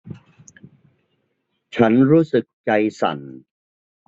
ฉันรู้สึกใจสั่น